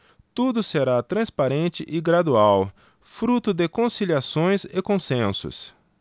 tudo será transparente e gradual fruto de conciliações e consensos